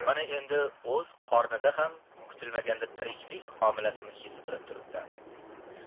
mana endi o'z qornida ham kutilmaganda tiriklik homilasini his kilib turibdi